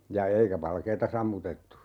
ja eikä valkeaa sammutettu